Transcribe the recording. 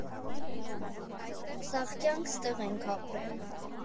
Սաղ կյանք ստեղ ենք ապրել։